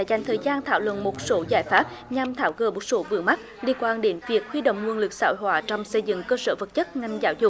dành thời gian thảo luận một số giải pháp nhằm tháo gỡ một số vướng mắc liên quan đến việc huy động nguồn lực xã hóa trong xây dựng cơ sở vật chất ngành giáo dục